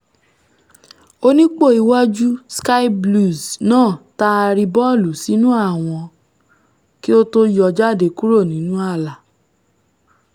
Onípò-iwáju Sky Blues náà taari bọ́ọ̀lú sínú àwọn kí ó to yọ́ jáde kuro nínú ààlà.